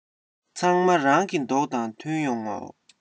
ཚང མ རང གི མདོག དང མཐུན ཡོང ངོ